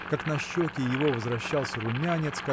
как на щеки его возвращался румянец